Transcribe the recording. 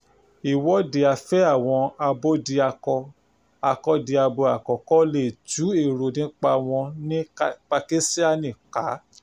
Ìwọ́de afẹ́ àwọn abódiakọ-akọ́diabo àkọ́kọ́ lè tú èrò nípa wọn ní Pakístánì ká